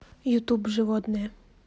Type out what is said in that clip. ютуб животные